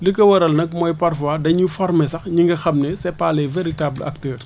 li ko waral nag mooy parfois dañu former sax ñi nga xam ne c' est pas les véritable acteurs